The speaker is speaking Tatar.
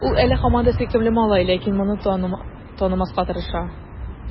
Ул әле һаман да сөйкемле малай, ләкин моны танымаска тырыша.